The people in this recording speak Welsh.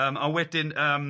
Yym ond wedyn yym.